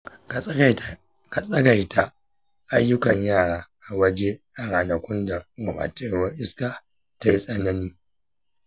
ka takaita ayyukan yara a waje a ranakun da gurbacewar iska ta yi tsanani.